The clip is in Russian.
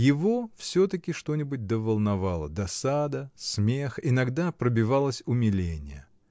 Его все-таки что-нибудь да волновало: досада, смех, иногда пробивалось умиление.